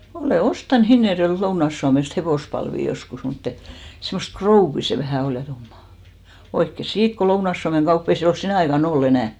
olen ostanut Hinnerjoelta Lounais Suomesta hevospalvia joskus mutta että semmoista krouvia se vähän oli ja tummaa oikein siitä kun Lounais Suomen kauppa on ei se ole sinä aikana ollut enää